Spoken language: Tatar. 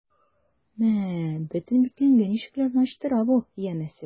Мә, бөтен бикләнгән ишекләрне ачтыра бу, янәсе...